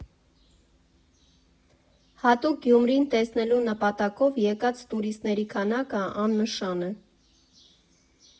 Հատուկ Գյումրին տեսնելու նպատակով եկած տուրիստների քանակը աննշան է։